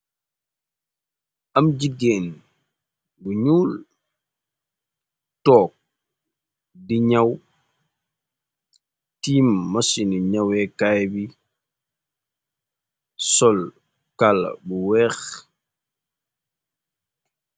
Am jigéen, bu ñuul, took di ñaw, tiim masini ñawee kaay bi, sol kala bu weex.